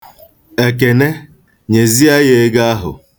Ekene, nyezie ya ego ahụ.